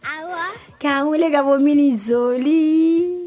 Ɔwɔ k'an wele ka bɔmini n